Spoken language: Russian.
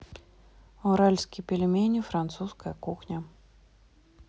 уральские пельмени французская кухня